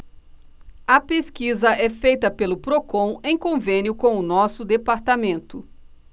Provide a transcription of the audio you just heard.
a pesquisa é feita pelo procon em convênio com o diese